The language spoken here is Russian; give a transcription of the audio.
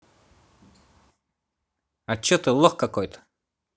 а че ты лох какой то